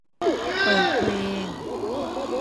เปิดเพลง